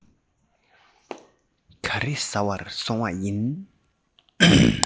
ག རེ ཟ བར སོང བ ཡིན